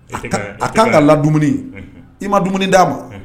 A kan ka la dumuni . Unhun i ma dumuni da ma